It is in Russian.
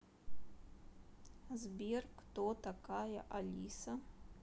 сбер кто такая алиса